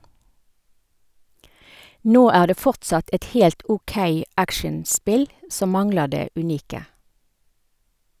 Nå er det fortsatt et helt ok actionspill, som mangler det unike.